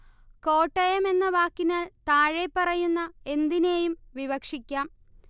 കോട്ടയം എന്ന വാക്കിനാൽ താഴെപ്പറയുന്ന എന്തിനേയും വിവക്ഷിക്കാം